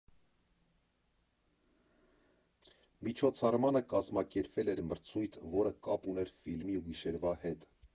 Միջոցառմանը կազմակերպվել էր մրցույթ, որը կապ ուներ ֆիլմի ու գիշերվա հետ։